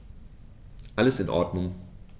Alles in Ordnung.